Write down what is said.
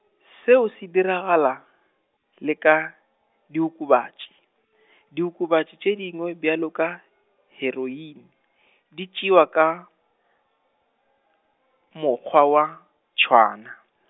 seo se diragala, le ka, diokobatši, diokobatši tše dingwe bjalo ka, heroin, di tšewa ka, mokgwa wa, tšhwaana.